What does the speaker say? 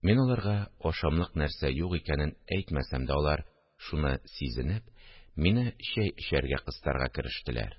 Мин аларга ашамлык-нәрсә юк икәнен әйтмәсәм дә, алар, шуны сизенеп, мине чәй эчәргә кыстарга керештеләр